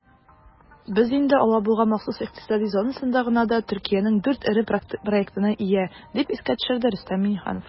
"без инде алабуга махсус икътисади зонасында гына да төркиянең 4 эре проектына ия", - дип искә төшерде рөстәм миңнеханов.